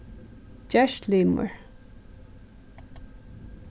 gerst limur